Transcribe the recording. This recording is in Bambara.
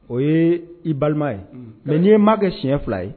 O ye i balima ye mɛ n'i ye maa kɛ siɲɛ fila ye